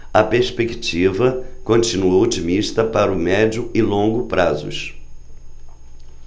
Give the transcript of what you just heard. a perspectiva continua otimista para o médio e longo prazos